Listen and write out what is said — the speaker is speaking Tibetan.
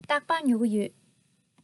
རྟག པར ཉོ གི ཡོད